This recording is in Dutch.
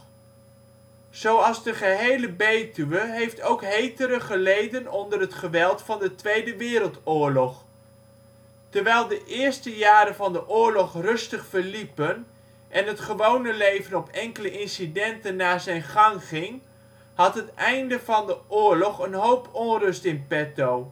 Zoals de gehele Betuwe heeft ook Heteren geleden onder het geweld van de Tweede Wereldoorlog. Terwijl de eerste jaren van de oorlog rustig verliepen en het gewone leven op enkele incidenten na zijn gang ging, had het einde van de oorlog een hoop onrust in petto